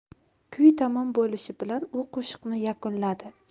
kuy tamom bo'lishi bilan u qo'shiqni yakunladi